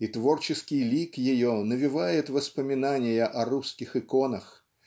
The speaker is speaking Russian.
и творческий лик ее навевает воспоминания о русских иконах